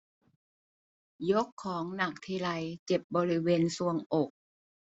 ยกของหนักทีไรเจ็บบริเวณทรวงอก